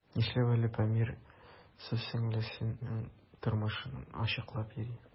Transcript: Нишләп әле Памир үз сеңлесенең тормышын ачыклап йөри?